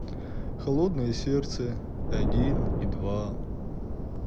холодное сердце один и два